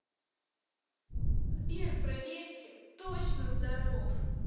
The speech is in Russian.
сбер проверьте точно здоров